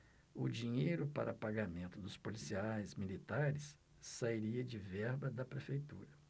o dinheiro para pagamento dos policiais militares sairia de verba da prefeitura